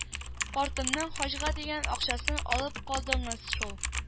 Картымның хаҗга дигән акчасын алып калдыңыз шул